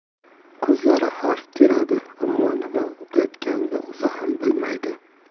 ko'zlar harf teradi ammo nima o'qiyotganini o'zi ham bilmaydi